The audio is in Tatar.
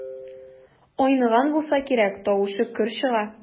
Айныган булса кирәк, тавышы көр чыга.